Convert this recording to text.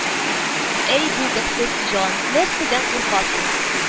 Әй, булдыксыз җан, нәрсәдән куркасың